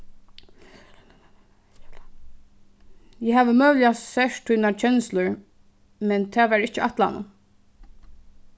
eg havi møguliga sært tínar kenslur men tað var ikki ætlanin